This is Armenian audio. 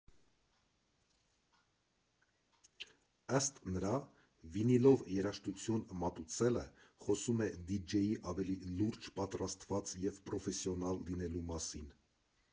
Ըստ նրա՝ վինիլով երաժշտություն մատուցելը խոսում է դիջեյի ավելի լուրջ, պատրաստված և պրոֆեսիոնալ լինելու մասին.